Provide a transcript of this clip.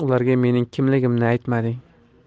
ularga mening kimligimni aytmading